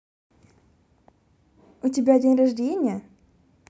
у тебя день рождения